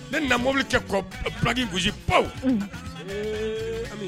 Ne namobili cɛki gosisibaw